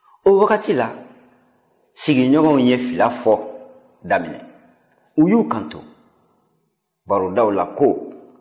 o wagati la sigiɲɔgɔnw ye filafɔ daminɛ u y'u kanto barodaw la ko